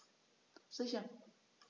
Sicher.